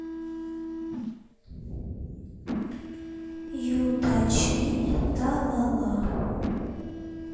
ю тач ми талала